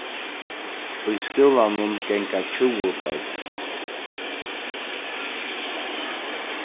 í skúlanum ganga tjúgu børn